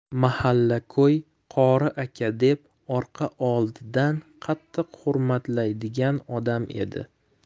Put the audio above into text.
mahalla ko'y qori aka deb orqa oldidan qattiq hurmatlaydigan odam edi